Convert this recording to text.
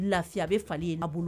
Lafi a bɛ falen ye bolo